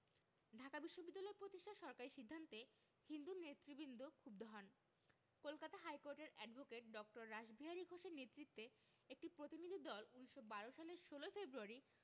ঢাকা বিশ্ববিদ্যালয় প্রতিষ্ঠার সরকারি সিদ্ধান্তে হিন্দু নেতৃবৃন্দ ক্ষুব্ধ হন কলকাতা হাইকোর্টের অ্যাডভোকেট ড. রাসবিহারী ঘোষের নেতৃত্বে একটি প্রতিনিধিদল ১৯১২ সালের ১৬ ফেব্রুয়ারি